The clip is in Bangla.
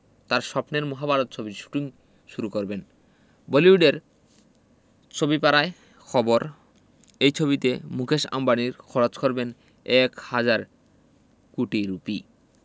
তাঁর স্বপ্নের মহাভারত ছবির শুটিং শুরু করবেন বলিউডের ছবিপাড়ায় খবর এই ছবিতে মুকেশ আম্বানি খরচ করবেন এক হাজার কোটি রুপি